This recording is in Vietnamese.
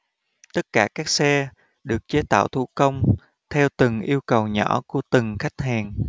tất cả các xe được chế tạo thủ công theo từng yêu cầu nhỏ của từng khách hàng